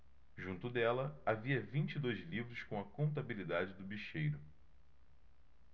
junto dela havia vinte e dois livros com a contabilidade do bicheiro